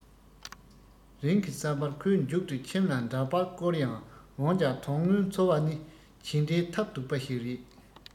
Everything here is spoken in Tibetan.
རིང གི བསམ པར ཁོས མཇུག ཏུ ཁྱིམ ལ འདྲ པར བསྐུར ཡང འོན ཀྱང དོན དངོས འཚོ བ ནི ཇི འདྲའི ཐབས སྡུག པ ཞིག རེད